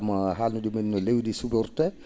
ngam haalnude min no leydi su?ortee